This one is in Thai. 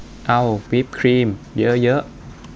เอาวิปครีมเยอะเยอะ